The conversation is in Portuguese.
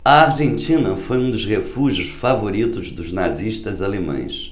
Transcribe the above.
a argentina foi um dos refúgios favoritos dos nazistas alemães